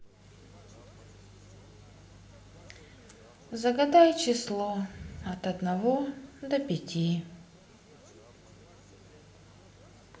загадай число от одного до пяти